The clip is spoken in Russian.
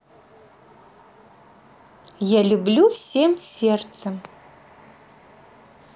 я люблю всем сердцем